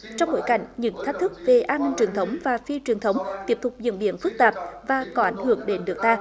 trong bối cảnh những thách thức về an ninh truyền thống và phi truyền thống tiếp tục diễn biến phức tạp và có ảnh hưởng đến nước ta